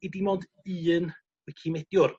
i dim ond un wicimediwr